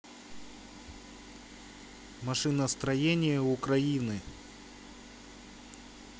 машиностроение украины